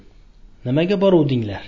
nimaga boruvdinglar